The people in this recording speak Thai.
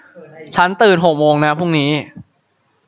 ฉันตื่นหกโมงนะพรุ่งนี้